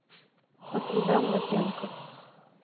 по следам лапенко